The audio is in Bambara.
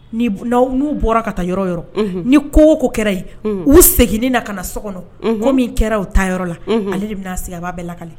Ni n'u bɔra ka taa yɔrɔ yɔrɔ ni ko ko kɛra yen u segin na ka na so kɔnɔ ko min kɛra u ta yɔrɔ la ale de bɛna sigi a' bɛɛ lakale